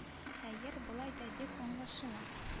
Хәер болай да бик аңлашыла